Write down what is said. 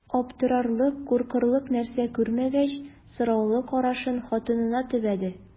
Аптырарлык, куркырлык нәрсә күрмәгәч, сораулы карашын хатынына төбәде.